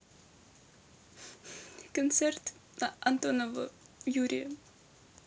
концерт антонова юрия